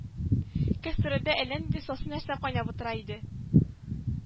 Кәстрүлдә әллә нинди сасы нәрсә кайнап утыра иде